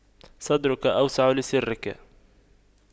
صدرك أوسع لسرك